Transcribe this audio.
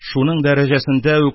Шуның дәрәҗәсендә үк